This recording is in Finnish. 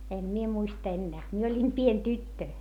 en minä muista enää minä olin pieni tyttö